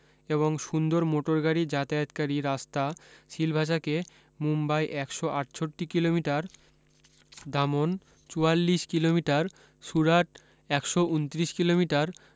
এবং সুন্দর মোটরগাড়ী যাতায়াতকারী রাস্তা সিলভাসাকে মুম্বাই একশ আটষট্টি কিলোমিটার দামন চুয়াল্লিশ কিলোমিটার সুরাট একশ উনত্রিশ কিলোমিটার